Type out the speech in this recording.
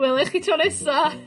Wela i chi tro nesa.